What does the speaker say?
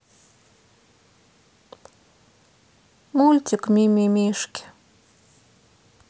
мультик мимимишки